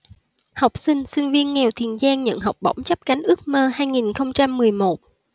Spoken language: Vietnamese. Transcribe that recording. học sinh sinh viên nghèo tiền giang nhận học bổng chắp cánh ước mơ hai nghìn không trăm mười một